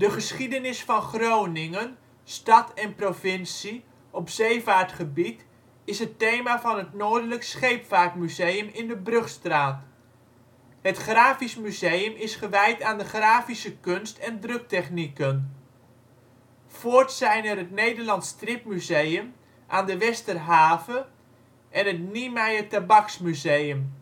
geschiedenis van Groningen, stad en provincie, op zeevaartgebied is het thema van het Noordelijk Scheepvaartmuseum in de Brugstraat. Het Grafisch Museum is gewijd aan de grafische kunst en druktechnieken. Voorts zijn er het Nederlands Stripmuseum, aan de Westerhaven, en het Niemeyer Tabaksmuseum